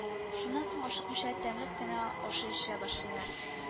Шуннан соң ашыкмыйча тәмләп кенә ашый-эчә башлыйлар